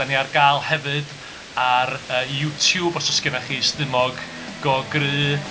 Dan ni ar gael hefyd ar yy YouTube os oes gennych chi stumog go gry'.